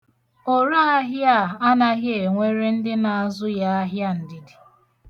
Oraahịa a anaghị enwere ndị na-azụ ya ahịa ndidi.